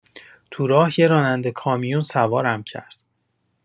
تو راه یه راننده کامیون سوارم کرد.